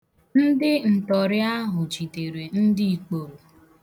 Ndị ntọọrị ahụ jidere ndị ikporo.